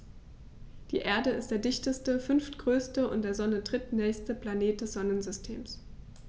Die Erde ist der dichteste, fünftgrößte und der Sonne drittnächste Planet des Sonnensystems.